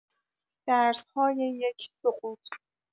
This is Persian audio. درس‌های یک سقوط